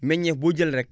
meññeef boo jël rek